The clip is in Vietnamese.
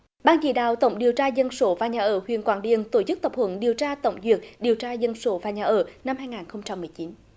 ban chỉ đạo tổng điều tra dân số và nhà ở huyện quảng điền tổ chức tập huấn điều tra tổng duyệt điều tra dân số và nhà ở năm hai nghìn không trăm mười chín